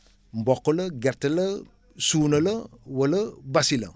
mboq la gerte la suuna la wala basi la